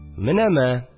Менә мә